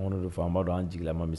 Don faama b' dɔn' an jigi mami